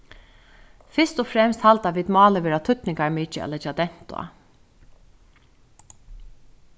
fyrst og fremst halda vit málið vera týdningarmikið at leggja dent á